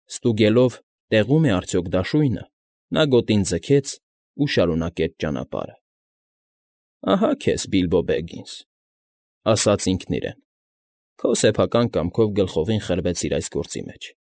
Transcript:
Ստուգելով՝ տեղո՞ւմ է արդյոք դաշույնը, նա գոտին ձգեց ու շարունակեց ճանապարհը։ «Ահա քեզ, Բիլբո Բեգիսն,֊ ասաց ինքն իրեն։֊ Քո սեփական կամքով գլխովին խրվեցիր այս գործի մեջ,